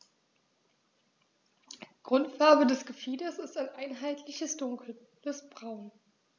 Grundfarbe des Gefieders ist ein einheitliches dunkles Braun.